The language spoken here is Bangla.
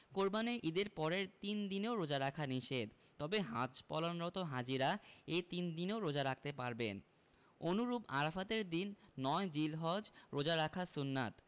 কোরবানির ঈদের পরের তিন দিনও রোজা রাখা নিষেধ তবে হাজ পালনরত হাজিরা এই তিন দিনও রোজা রাখতে পারবেন অনুরূপ আরাফাতের দিন ৯ জিলহজ রোজা রাখা সুন্নাত